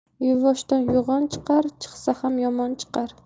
yuvvoshdan yo'g'on chiqar chiqsa ham yomon chiqar